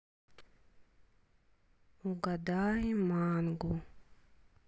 угадай мангу